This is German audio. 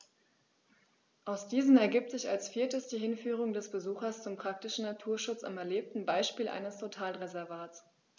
Aus diesen ergibt sich als viertes die Hinführung des Besuchers zum praktischen Naturschutz am erlebten Beispiel eines Totalreservats.